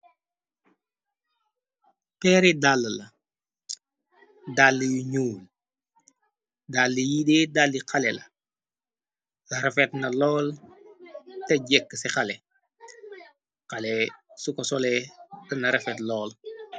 Peery dàll la dall yu ñuul dalli yiidee dalli xale la rafet na lool. Te jekk ci xale xale su ko solee dna rafet lool.